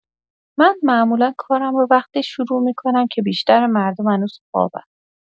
من معمولا کارم رو وقتی شروع می‌کنم که بیشتر مردم هنوز خوابن.